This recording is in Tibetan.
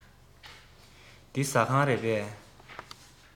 འདི ཟ ཁང རེད པས